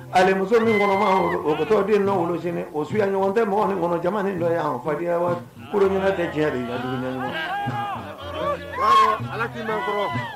Ali muso min kɔnɔ otɔden nɔn sen o suyaɲɔgɔn tɛ mɔgɔɔgɔn kɔnɔ jama ni dɔ yan fadenya kolo ɲɛna tɛ diɲɛ de ye alakii bɛ kɔrɔ